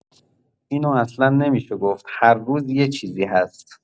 اینو اصن نمی‌شه گفت هر روز یه چیزی هست.